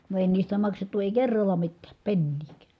no ei niistä maksettu ei kerralla mitään penniäkään